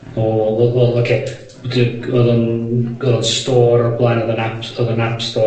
o wel wel oce, b- dy- odd o'n odd o'n store o'r blaen odd o'n app odd o'n app store